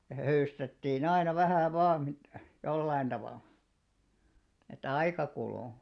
ja höystettiin aina vähän vain - jollakin tavalla että aika kului